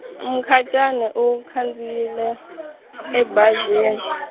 Mukhacani u khandziyile , ebazini.